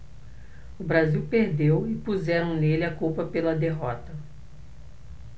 o brasil perdeu e puseram nele a culpa pela derrota